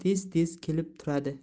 tez tez kelib turadi